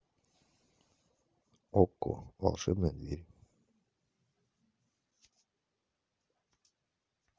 окко волшебная дверь